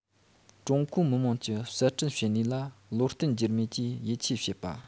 ཀྲུང གོའི མི དམངས ཀྱི གསར སྐྲུན བྱེད ནུས ལ བློ བརྟན འགྱུར མེད ཀྱིས ཡིད ཆེས བྱེད པ